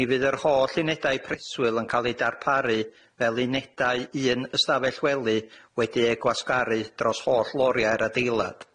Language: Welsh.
Mi fydd yr holl unedau preswyl yn cael ei darparu fel unedau un ystafell wely wedi'u gwasgaru dros holl loria'r adeilad.